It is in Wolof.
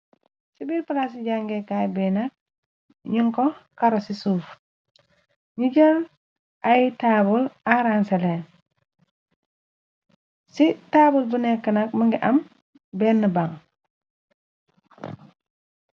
Ci biirpalaas yi jangeekaay benak nunko kara ci suuf ni jar ay taabal aransalein ci taabal bu nekk nag mëngi am benn ban.